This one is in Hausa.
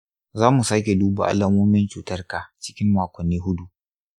za mu sake duba alamomin cutarka cikin makonni hudu.